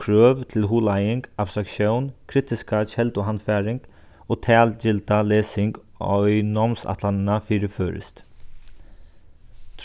krøv til hugleiðing abstraktión kritiska kelduhandfaring og talgilda lesing námsætlanina fyri føroyskt